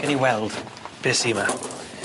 Gewn ni weld be' sy 'ma.